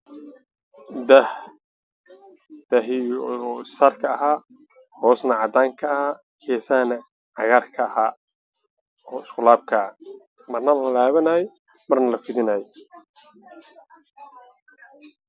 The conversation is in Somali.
Meeshan waxaa yaalla daah